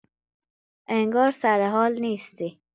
انگار سرحال نیستی.